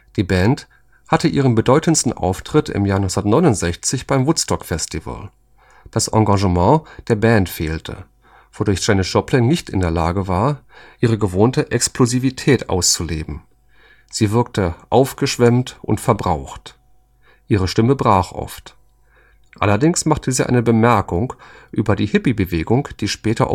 Die Band hatte ihren bedeutendsten Auftritt im Jahre 1969 beim Woodstock-Festival. Das Engagement der Band fehlte, wodurch Janis Joplin nicht in der Lage war, ihre gewohnte Explosivität auszuleben. Sie wirkte aufgeschwemmt und verbraucht; ihre Stimme brach oft. Allerdings machte sie eine Bemerkung über die Hippiebewegung, die später